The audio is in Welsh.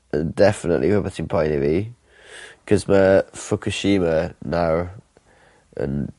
yn definitely rwbeth sy'n poeni fi. 'C'os ma' Fukushima nawr yn